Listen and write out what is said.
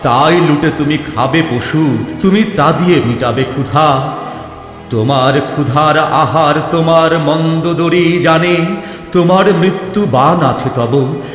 তাই লুটে তুমি খাবে পশু তুমি তা দিয়ে মিটাবে ক্ষুধা তোমার ক্ষুধার আহার তোমার মন্দোদরীই জানে তোমার মৃত্যু বাণ আছে তব